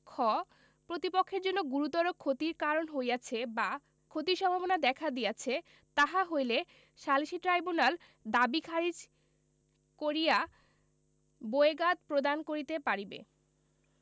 খ প্রতিপক্ষের জন্য গুরুতর ক্ষতির কারণ হইয়াছে বা ক্ষতির সম্ভাবনা দেখা দিয়াছে তাহা হইলে সালিসী ট্রাইব্যুনাল দাবী খারিজ করিয়া বোয়েগাদ প্রদান করিতে পারিবে